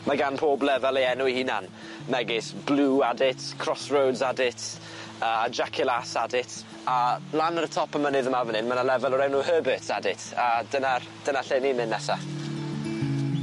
Mae gan pob lefel ei enw ei hunan megis Blue Adit, Crossroads Adit yy a Jaculas Adit, a lan ar y top y mynydd yma fyn yn ma' na lefel o'r enw Herbert's Adit a dyna'r dyna lle ni'n mynd nesa.